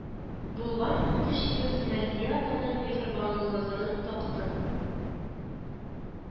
Булган укытучыбыз мәрзия апаның миһербанлылыгын, тактын